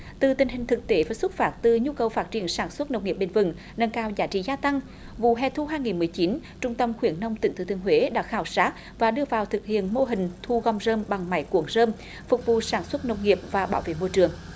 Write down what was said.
từ tình hình thực tế và xuất phát từ nhu cầu phát triển sản xuất nông nghiệp bền vững nâng cao giá trị gia tăng vụ hè thu hai nghìn mười chín trung tâm khuyến nông tỉnh thừa thiên huế đã khảo sát và đưa vào thực hiện mô hình thu gom rơm bằng máy cuộn rơm phục vụ sản xuất nông nghiệp và bảo vệ môi trường